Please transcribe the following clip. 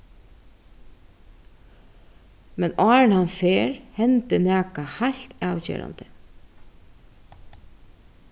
men áðrenn hann fer hendi nakað heilt avgerandi